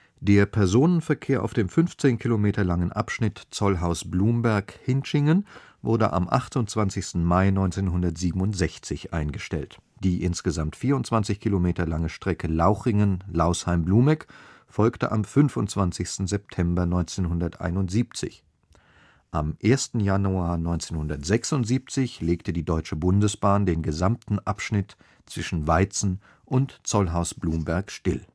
Der Personenverkehr auf dem 15 Kilometer langen Abschnitt Zollhaus-Blumberg – Hintschingen wurde am 28. Mai 1967 eingestellt, die insgesamt 24 Kilometer lange Strecke Lauchringen – Lausheim-Blumegg folgte am 25. September 1971. Am 1. Januar 1976 legte die Deutsche Bundesbahn den gesamten Abschnitt zwischen Weizen und Zollhaus-Blumberg still